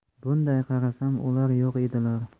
bunday qarasam ular yo'q edilar